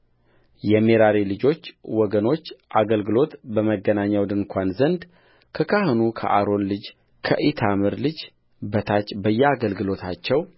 የሜራሪ ልጆች ወገኖች አገልግሎት በመገናኛው ድንኳን ዘንድ ከካህኑ ክአሮን ልጅ ከኢታምር እጅ በታች በየአገልግሎታቸው